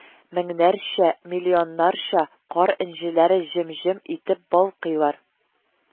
Меңнәрчә, миллионнарча кар энҗеләре җем-җем итеп балкыйлар